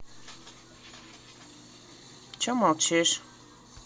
че молчишь